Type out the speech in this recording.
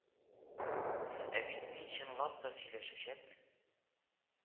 Ә бит мин чынлап та сөйләшәчәкмен